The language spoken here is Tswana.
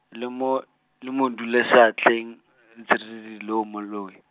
le mo, le mo dule seatleng, , loo moloi.